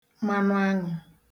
manụaṅụ̄